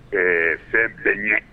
Ɛɛ fɛn bɛ ɲɛ